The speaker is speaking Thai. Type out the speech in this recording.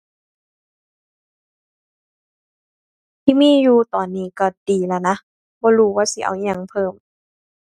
ที่มีอยู่ตอนนี้ก็ดีแล้วนะ บ่รู้ว่าสิเอาอิหยังเพิ่ม